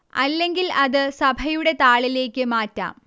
അല്ലെങ്കിൽ അത് സഭയുടെ താളിലേക്ക് മാറ്റാം